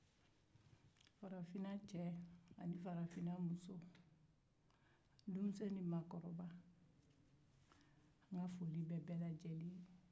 farafinna cɛ ani farafinna muso denmisɛn ni maakɔrɔba n ka foli bɛ bɛɛ lajɛlen ye